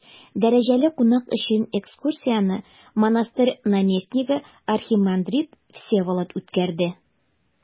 Дәрәҗәле кунак өчен экскурсияне монастырь наместнигы архимандрит Всеволод үткәрде.